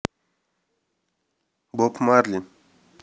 bob marley